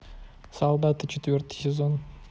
солдаты четвертый сезон